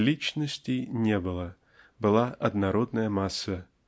Личностей не было--была однородная масса